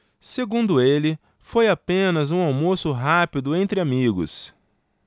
segundo ele foi apenas um almoço rápido entre amigos